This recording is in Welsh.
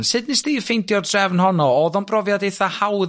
sud 'nes di ffeindio'r drefn honno? O'ddo'n brofiad eitha' hawdd